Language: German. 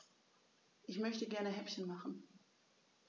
Ich möchte gerne Häppchen machen.